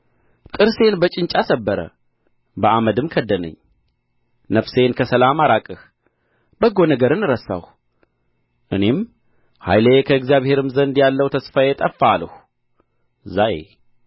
ጥርሴን በጭንጫ ሰበረ በአመድም ከደነኝ ነፍሴን ከሰላም አራቅህ በጎ ነገርን ረሳሁ እኔም ኃይሌ ከእግዚአብሔርም ዘንድ ያለው ተስፋዬ ጠፋ አልሁ ዛይ